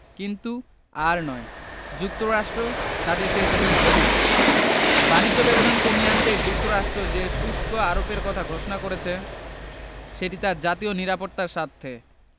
কিন্তু আর নয় যুক্তরাষ্ট্র তাদের সে সুযোগ দেবে না বাণিজ্য ব্যবধান কমিয়ে আনতে যুক্তরাষ্ট্র যে শুল্ক আরোপের কথা ঘোষণা করেছে সেটি তার জাতীয় নিরাপত্তার স্বার্থে